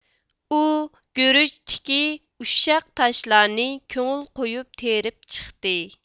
ئۇ گۈرۈچتىكى ئۇششاق تاشلارنى كۆڭۈل قويۇپ تېرىپ چىقتى